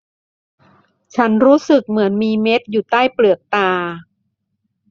ฉันรู้สึกเหมือนมีเม็ดอยู่ใต้เปลือกตา